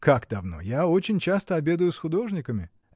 — Как давно: я очень часто обедаю с художниками.